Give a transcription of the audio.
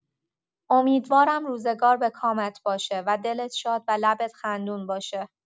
امیدوارم روزگار به کامت باشه و دل شاد و لبت خندون باشه